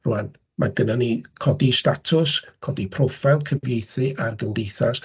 Rŵan ma' gynnon ni codi statws, codi proffil cyfieithu a'r Gymdeithas.